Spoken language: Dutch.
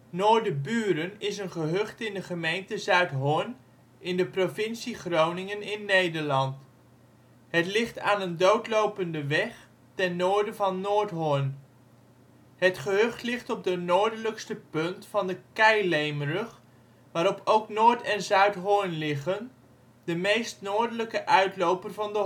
Noorderburen is een gehucht in de gemeente Zuidhorn in de provincie Groningen (Nederland). Het ligt aan een doodlopende weg, ten noorden van Noordhorn. Het gehucht ligt op de noordelijkste punt van de keileemrug, waarop ook Noord - en Zuidhorn liggen, de meest noordelijke uitloper van de